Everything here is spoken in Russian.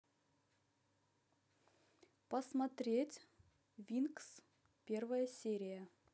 посмотреть винкс первая серия